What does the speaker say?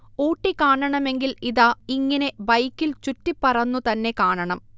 ഊട്ടി കാണണമെങ്കിൽ ഇതാ, ഇങ്ങിനെ ബൈക്കിൽ ചുറ്റിപ്പറന്നു തന്നെ കാണണം